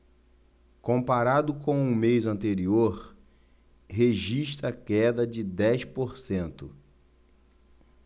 comparado com o mês anterior registra queda de dez por cento